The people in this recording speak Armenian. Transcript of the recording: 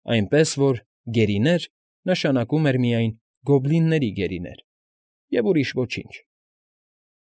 Այնպես որ «գերիներ» նշանակում էր միայն «գոբլինների գերիներ» և ուրիշ ոչինչ։